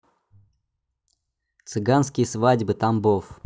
цыганские свадьбы тамбов